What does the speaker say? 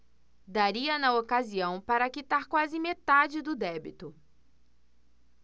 daria na ocasião para quitar quase metade do débito